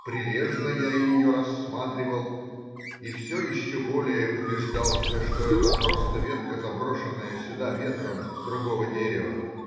прилежно я ее рассматривал и все еще более убеждался, что это просто ветка, заброшенная сюда ветром с другого дерева.